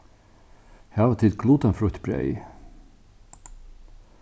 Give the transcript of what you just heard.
hava tit glutenfrítt breyð